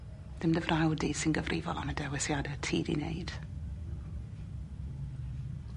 Dim dy frawd di sy'n gyfrifol am y dewisiade ti 'di neud.